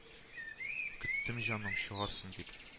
Көттем җаным, чыгарсың дип